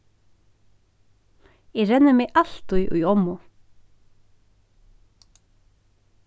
eg renni meg altíð í ommu